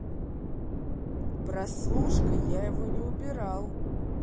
прослушка я его не убирал